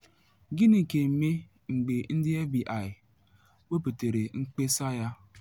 Gịnị ga-eme mgbe ndị FBI weputere mkpesa ya?